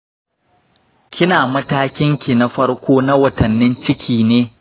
kina matakin ki na farko na watannin ciki ne.